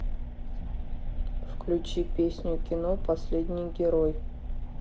включи песню кино последний герой